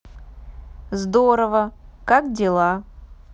здорово как дела